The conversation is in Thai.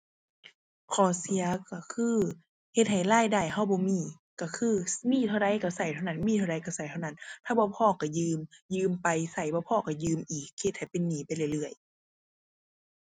ข้อเสียก็คือเฮ็ดให้รายได้ก็บ่มี ก็คือ มีเท่าใดก็ก็เท่านั้น มีเท่าใดก็ก็เท่านั้น ถ้าบ่พอก็ยืม ยืมไปก็บ่พอก็ยืมอีก เฮ็ดให้เป็นหนี้ไปเรื่อยเรื่อย